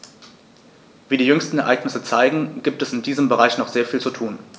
Wie die jüngsten Ereignisse zeigen, gibt es in diesem Bereich noch sehr viel zu tun.